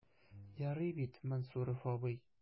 Ярый бит, Мансуров абый?